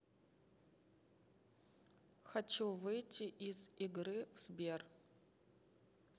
хочу выйти из игры в сбер